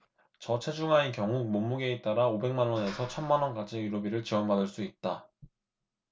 저체중아의 경우 몸무게에 따라 오백 만원에서 천 만원까지 의료비를 지원받을 수 있다